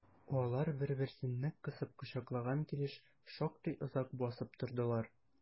Алар бер-берсен нык кысып кочаклаган килеш шактый озак басып тордылар.